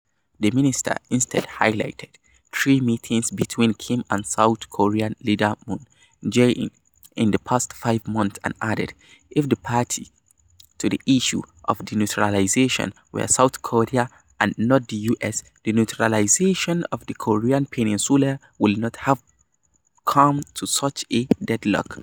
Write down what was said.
The minister instead highlighted three meetings between Kim and South Korean leader Moon Jae-in in the past five months and added: "If the party to this issue of denuclearization were South Korea and not the U.S., the denuclearization of the Korean peninsula would not have come to such a deadlock."